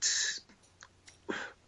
ts-